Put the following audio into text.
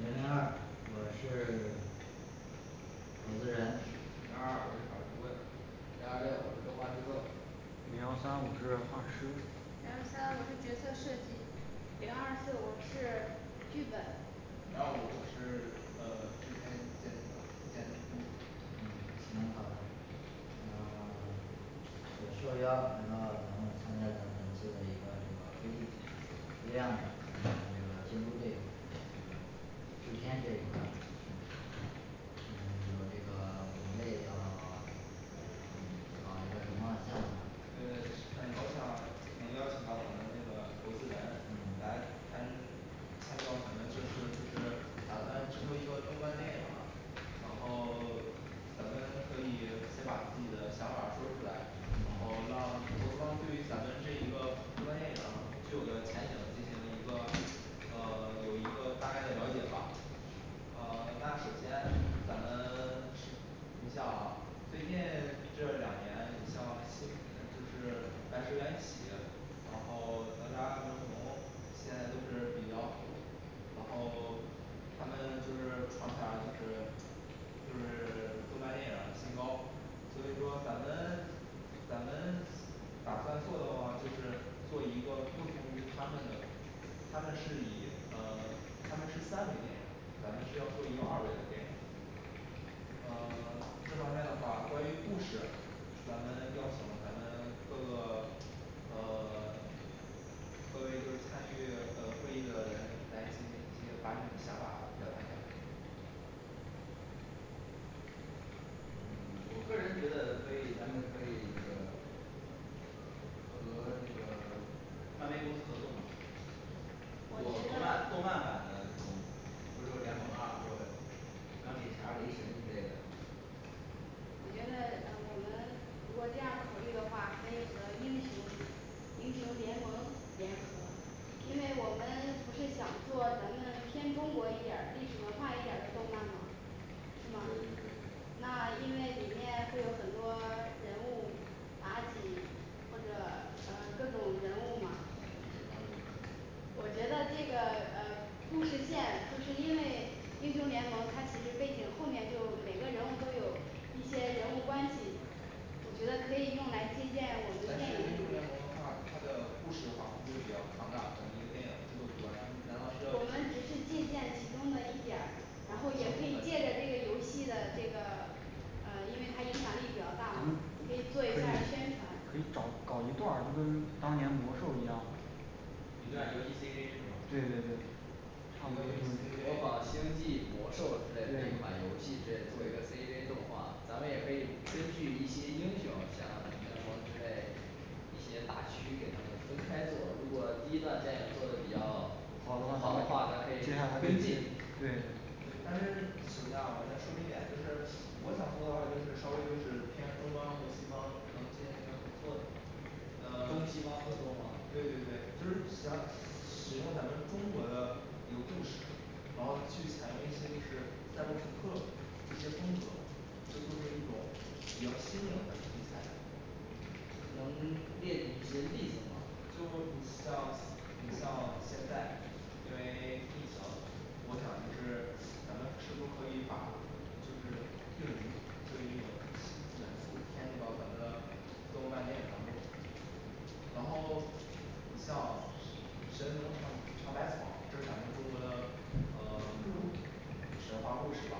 零零二我是 投资人零二二我是法律顾问零二六我是动画制作零幺三我是画师零二三我是角色设计零二四我是剧本零二五我是呃制片监监制。嗯行好的嗯我受邀来到咱们参加咱们本次的一个这个会议，是这样的咱们这个监督这一这个制片这一块儿是嗯有一个品类叫 嗯搞一个什么项目，嗯对很高兴啊能邀请到咱们那个投资人来参，参与到咱们这次就是咱们制作一个动漫电影儿然后 咱们可以先把自己的想法儿说出来，然嗯后让投资方对于咱们这一个动漫电影儿具有的前景进行一个呃有一个大概的了解吧呃那首先咱们 你像啊最近这两年你像就就是白蛇缘起，然后哪吒魔童现在都是比较火然后他们就是创下就是就是 动漫电影儿新高，所以说咱们咱们打算做的话就是做一个不同于他们的一他们是以呃他们是三维电影儿，咱们是要做一个二维的电影儿。呃 这方面的话关于故事，咱们邀请咱们各个呃 各位就是参与呃会议的人来进行一些把你的想法表达一下。嗯我个人觉得可以咱们可以那个和那个漫威公司合作嘛，我做动觉得漫动漫版的这种复仇者联盟啊或者钢铁侠雷神一类的。我觉得我们如果这样考虑的话，可以和英雄英雄联盟联合因为我们不是想做咱们偏中国一点儿历史文化一点儿的动漫吗，是吗？那因为里面会有很多人物妲己或者呃各种人物嘛我觉得这个呃不实现就是因为英雄联盟它其实背景后面就每个人物都有一些人物关系我觉得但可是以英用雄联来盟借鉴我们的电影里面的话他的故事的话会比较庞大，咱们一个电影制作不完我那们还需要只是借鉴其中的一点儿，然后也可以借着游戏的这个呃因为它影响力比较大嘛，可以做一下儿宣传，可以找搞一段跟当年魔兽一样一段E C G 对是对吧？对模仿星际魔兽在这一款游戏这做一个C G动画，咱们也可以根据一些英雄像什么之类一些大区域的分开做，如果第一段电影做的比较好的话，咱可以跟进。对，但是首先啊我先说明一点就是我想做的话，就是稍微就是偏东方和西方能进行一个合作的东呃西方合作嘛对对对就是想使用咱们中国的一个故事，然后去采用一些就是战斗评课一些风格，就做出一种比较新颖的题材的。能列举一些例子吗？就你像你像现在因为疫情我想就是咱们是不是可以把就是病作为一种新元素牵扯到咱们的动漫电影儿当中然后你像神神农尝尝百草，这是咱们中国的呃神话故事吧。